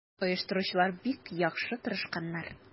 Оештыручылар бик яхшы тырышканнар.